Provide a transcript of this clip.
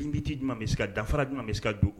Binbiti jumɛnuma bɛ se ka dafara jumɛn bɛ se ka don